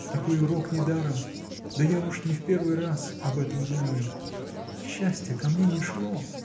Такой урок недаром; да я уж не в первый раз об этом думаю. Счастье ко мне не шло